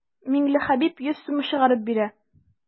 Миңлехәбиб йөз сум чыгарып бирә.